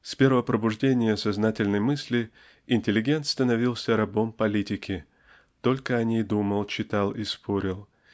С первого пробуждения сознательной мысли интеллигент становился рабом политики только о ней думал читал и спорил